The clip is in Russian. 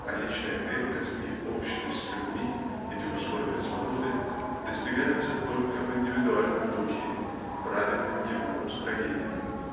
а личная крепость и общность с людьми--эти условия свободы--достигаются только в индивидуальном духе правильным его устроением.